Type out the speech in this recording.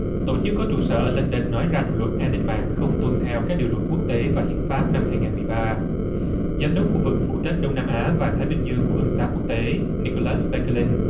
tổ chức có trụ sở ở lân đân nói rằng luật an ninh mạng không tuân theo các điều luật quốc tế và hiến pháp năm hai ngàn mười ba giám đốc khu vực phụ trách đông nam á và thái bình dương của ân xá quốc tế ni cô lát be cơ lần